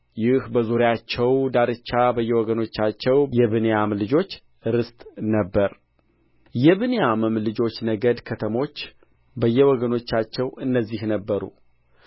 ይህ በዙርያቸው ዳርቻ በየወገኖቻቸው የብንያም ልጆች ርስት ነበረ የብንያምም ልጆች ነገድ ከተሞች በየወገኖቻቸው እነዚህ ነበሩ